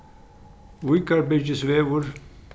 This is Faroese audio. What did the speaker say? víkarbyrgisvegur